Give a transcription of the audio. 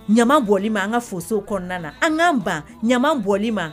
Ɲama bɔli ma an ka faso kɔnɔna na an kaan ban ɲama bɔli ma